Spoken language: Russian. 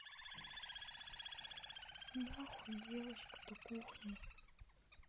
нахуй девочка то кухни